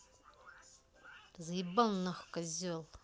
ты заебал нахуй козел